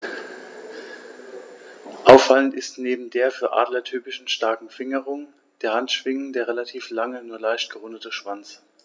Auffallend ist neben der für Adler typischen starken Fingerung der Handschwingen der relativ lange, nur leicht gerundete Schwanz.